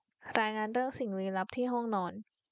รายงานเรื่องสิ่งลี้ลับที่ห้องนอน